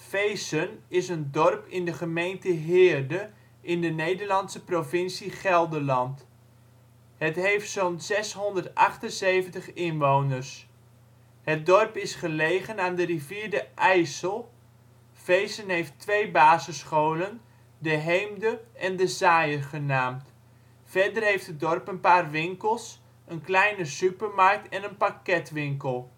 Veessen is een dorp in de gemeente Heerde, in de Nederlandse provincie Gelderland. Het heeft zo 'n 678 inwoners (cijfers 2005). Het dorp is gelegen aan de rivier de IJssel. Veessen heeft twee basisscholen, " De Heemde " en " De Zaaier " genaamd. Verder heeft het dorp een paar winkels: een kleine supermarkt en een parketwinkel